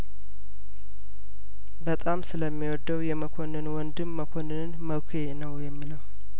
በጣም ስለሚወደው የመኮንን ወንድም መኮንንን መኳ ነው የሚለው